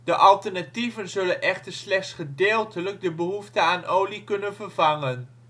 alternatieven zullen echter slechts gedeeltelijk de behoefte aan olie kunnen vervangen